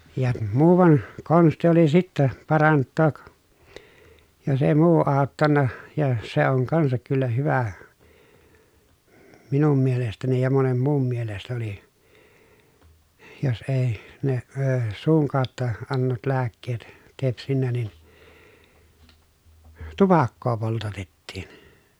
ja muuan konsti oli sitten parantaa jos ei muu auttanut ja se on kanssa kyllä hyvä minun mielestäni ja monen muun mielestä oli jos ei ne - suun kautta annetut lääkkeet tepsinyt niin tupakkaa poltatettiin